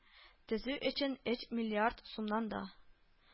Төзү өчен өч миллиард сумнан да